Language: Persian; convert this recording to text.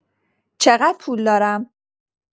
چه‌قدر پول دارم؟